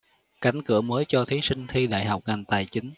cánh cửa mới cho thí sinh thi đại học ngành tài chính